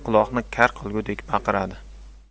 quloqni kar qilgudek baqiradi